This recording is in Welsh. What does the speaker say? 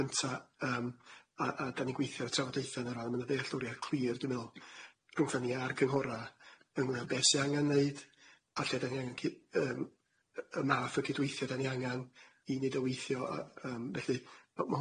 cynta, yym a a dan ni'n gweithio ar y trafodaethe yn y rhan ma' na dealltwriaeth clwir dwi'n meddwl rhwngtha ni a'r cynghora' yngwneud beth sy angan neud a lle dan ni angan cy- yym y math o cydweithio dan ni angan i neud o weithio a yym felly ma'